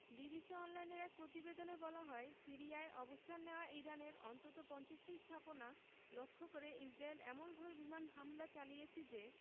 BBC অনলাইনের এক প্রতিবেদনে বলা হয় সিরিয়ায় অবস্থান নেওয়া ইরানের অন্তত ৫০টি স্থাপনা লক্ষ্য করে ইসরায়েল এমনভাবে বিমান হামলা চালিয়েছে যে